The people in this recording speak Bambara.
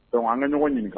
Donc an bɛ ɲɔgɔn ɲininka